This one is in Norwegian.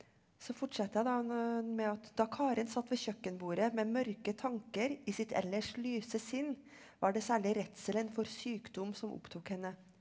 så fortsetter jeg da med at da Karen satt ved kjøkkenbordet med mørke tanker i sitt ellers lyse sinn, var det særlig redselen for sykdom som opptok henne.